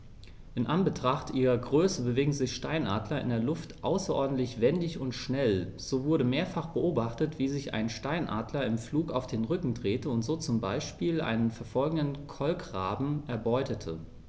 In Anbetracht ihrer Größe bewegen sich Steinadler in der Luft außerordentlich wendig und schnell, so wurde mehrfach beobachtet, wie sich ein Steinadler im Flug auf den Rücken drehte und so zum Beispiel einen verfolgenden Kolkraben erbeutete.